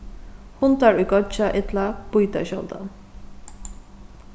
hundar ið goyggja illa bíta sjáldan